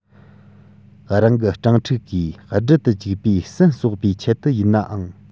རང གི སྦྲང ཕྲུག གིས སྦྲིད དུ བཅུག པའི ཟན གསོག པའི ཆེད དུ ཡིན ནའང